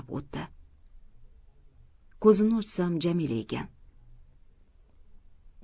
ko'zimni ochsam jamila ekan